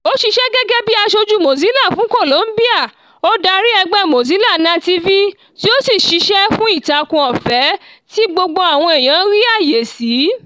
Ó ṣíṣe gẹ́gẹ́ bíi Aṣojú Mozilla fún Colombia, ó darí Ẹgbẹ́ Mozilla Nativi tí ó sì ṣiṣẹ́ fún ìtakùn ọ̀fẹ́ tí gbogbo àwọn èèyàn rí àyè sí.